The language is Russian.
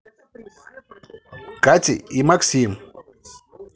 катя и максим